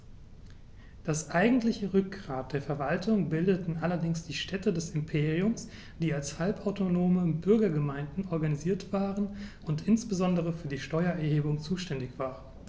Das eigentliche Rückgrat der Verwaltung bildeten allerdings die Städte des Imperiums, die als halbautonome Bürgergemeinden organisiert waren und insbesondere für die Steuererhebung zuständig waren.